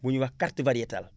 bu ñuy wax carte variétal